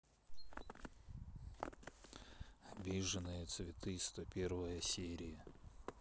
обиженные цветы сто первая серия